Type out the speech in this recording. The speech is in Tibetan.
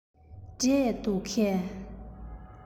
འབྲས འདུག གས